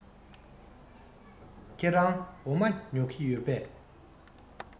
ཁྱེད རང འོ མ ཉོ གི ཡོད པས